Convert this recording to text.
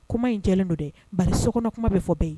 Kuma in cɛlen don dɛ ba sokɔnɔ kuma bɛ bɛɛ yen